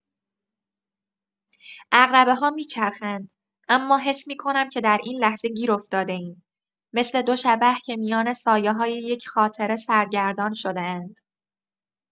عقربه‌ها می‌چرخند، اما حس می‌کنم که در این لحظه گیر افتاده‌ایم، مثل دو شبح که میان سایه‌‌های یک خاطره سرگردان شده‌اند.